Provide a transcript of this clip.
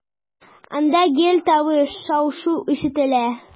Анда гел тавыш, шау-шу ишетелә.